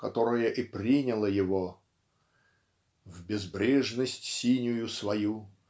которое и приняло его В безбрежность синюю свою